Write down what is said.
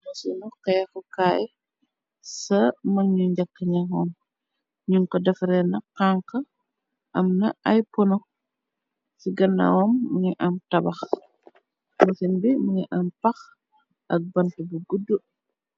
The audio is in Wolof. Masinu qeexukaay, ca mëg ñu njàkk ñe hoon, ñun ko defare na xanx, amna ay ponu, ci gannawam mingi am tabax, masin bi mingi am pax ak bante bu guddu.